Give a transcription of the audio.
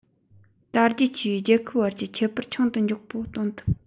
དར རྒྱས ཆེ བའི རྒྱལ ཁབ བར གྱི ཁྱད པར ཆུང དུ མགྱོགས པོ གཏོང ཐུབ